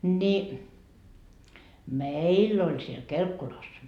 niin meillä oli siellä Kelkkulassa